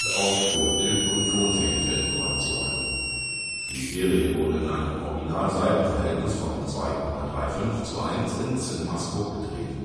auch für Bild - und Tontechnische Innovationen. Die Serie wurde in einem Original-Seitenverhältnis von 2,35:1 (Cinemascope) gedreht